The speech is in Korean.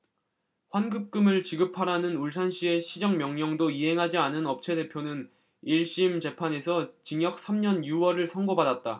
환급금을 지급하라는 울산시의 시정명령도 이행하지 않은 업체대표는 일 심 재판에서 징역 삼 년 유 월을 선고받았다